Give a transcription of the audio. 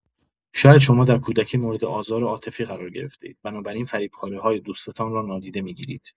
شاید شما در کودکی مورد آزار عاطفی قرار گرفته‌اید، بنابراین فریب کاری‌های دوستتان را نادیده می‌گیرید.